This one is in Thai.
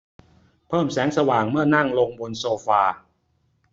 เพิ่มแสงสว่างเมื่อนั่งลงบนโซฟา